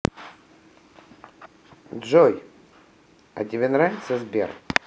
джой а тебе нравится сбер